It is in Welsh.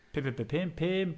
P-p-p-p-pump pump.